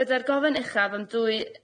Gyda'r gofyn uchaf am dwy- a-